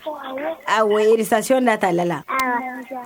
A izsi nata la